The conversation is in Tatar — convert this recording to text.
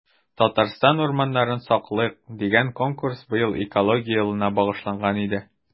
“татарстан урманнарын саклыйк!” дигән конкурс быел экология елына багышланган иде.